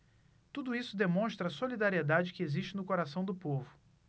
tudo isso demonstra a solidariedade que existe no coração do povo